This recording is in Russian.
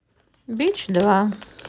бич два